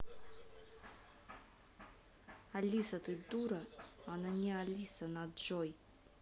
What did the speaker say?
алиса ты дура она не алиса на джой